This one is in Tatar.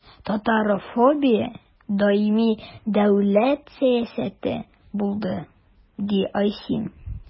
Татарофобия даими дәүләт сәясәте булды, – ди Айсин.